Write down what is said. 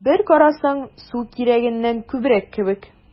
Бер карасаң, су кирәгеннән күбрәк кебек: